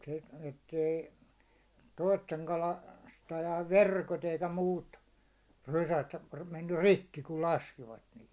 sitten että ei toisten - kalastajien verkot eikä muut rysät mennyt rikki kun laskivat niihin